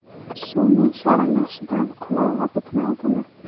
suvning sharillashidan qulog'i bitmaydimi